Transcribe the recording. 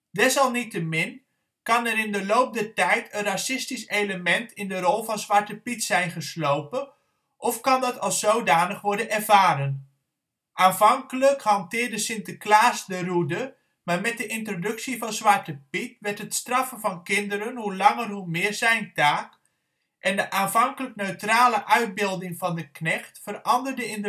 Desalniettemin kan er in de loop der tijd een racistisch element in de rol van Zwarte Piet zijn geslopen, of kan dat als zodanig worden ervaren. Aanvankelijk hanteerde Sinterklaas de roede, maar met de introductie van Zwarte Piet werd het straffen van kinderen hoe langer hoe meer zijn taak, en de aanvankelijk neutrale uitbeelding van de knecht veranderde in